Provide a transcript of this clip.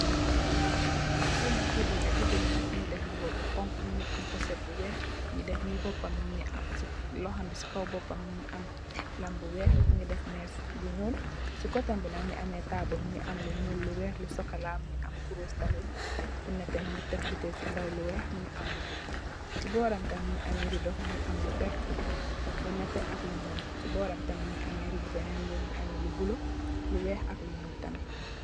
Li nak jigeen la jigeen bi nak mungi def mbuba by xonxu mungi am post bu weex mungi def ne bopam loham bi ci kaw bopam bi mu am la bu weex mungi def mees by nyool ci ketam bi nak mungeh ameh tabul mungi am lu nyool lu weex lu sokola mungeh ameh kurus tamit bu nete mungi tek butel ci kaw lu weex ci borom tamit mungi ameh rido mungi am lu veerta lu neteh ak lu nyool ci boram tamit mungi ameh lu bulo lu weex ak lu nyool tamif